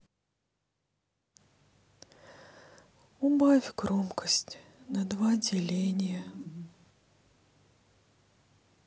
убавь громкость на два деления